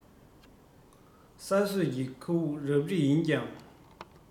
ས སྲོད ཀྱི མཁའ དབུགས རབ རིབ ཡིན ཀྱང